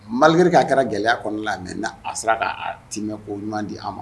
Malgré que a kɛra gɛlɛya kɔnɔ la mais a sera ka timɛ koɲuman di an ma